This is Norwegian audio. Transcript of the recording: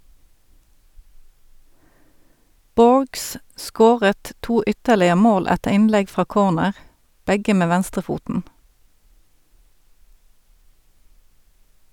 Borges scoret to ytterligere mål etter innlegg fra corner , begge med venstrefoten.